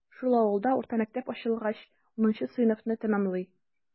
Шул авылда урта мәктәп ачылгач, унынчы сыйныфны тәмамлый.